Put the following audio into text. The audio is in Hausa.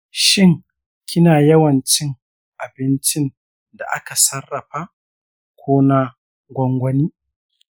shin kina yawan cin abincin da aka sarrafa ko na gwangwani?